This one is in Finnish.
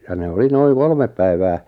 ja ne oli noin kolme päivää